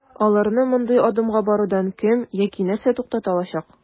Аларны мондый адымга барудан кем яки нәрсә туктата алачак?